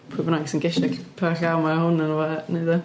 Pwy bynnag sy'n gesio pa bynnag llaw ma' hwn ynddo fo wneud o.